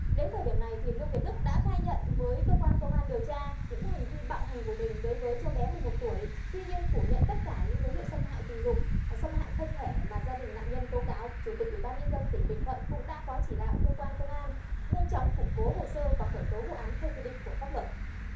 đến thời điểm này thì lương việt đức đã khai nhận với cơ quan công an điều tra những hành vi bạo hành của mình đối với cháu bé mười một tuổi tuy nhiên phủ nhận tất cả những dấu hiệu xâm hại tình dục xâm hại thân thể mà gia đình nạn nhân tố cáo chủ tịch ủy ban nhân dân tỉnh bình thuận cũng đã có chỉ đạo cơ quan công an nhanh chóng củng cố hồ sơ và khởi tố vụ án theo quy định của pháp luật